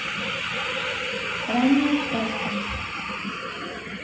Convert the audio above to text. ранняя пташка